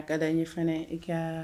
A ka da ɲɛ fana i